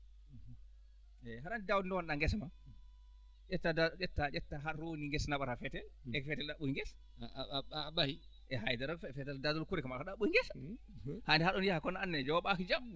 eeyi haɗa anndi Daouda ndoondo ɗaa ngesa ma ƴettaa ƴettaa haɗa roondi ngesa nawara fetel e ko feetel ɗaɓɓoyi ngesa * e haydara feetel daadol kuure kam ala ko ɗaɓɓoyta ngesa hade haɗon yaha kono aan nene jooɓaaki jam